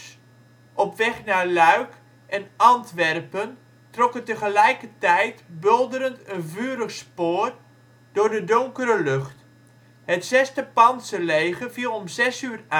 weg naar Luik en Antwerpen, trokken tegelijkertijd bulderend een vurig spoor door de donkere lucht. Het 6e pantserleger viel om 06:00 aan. Het